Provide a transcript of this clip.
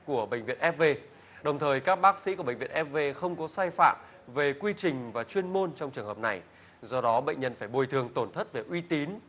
của bệnh viện ép vê đồng thời các bác sĩ của bệnh viện ép vê không có sai phạm về quy trình và chuyên môn trong trường hợp này do đó bệnh nhân phải bồi thường tổn thất về uy tín